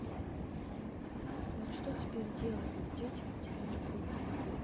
и вот что теперь делать дети потеряли пульт